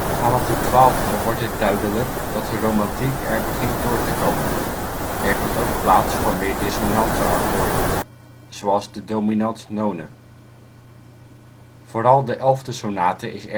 vanaf de twaalfde wordt het duidelijk dat de romantiek er begint door te komen: er komt ook plaats voor meer dissonante akkoorden (zoals de dominant-none). Vooral de elfde sonate is